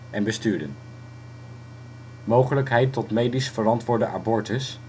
en besturen. Mogelijkheid tot medisch verantwoorde abortus